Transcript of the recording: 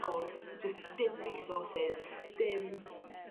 o'dd jyst dim resources dim